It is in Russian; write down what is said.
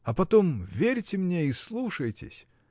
А потом верьте мне и слушайтесь!